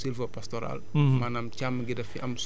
c' est une zone à vocation sylvopastorale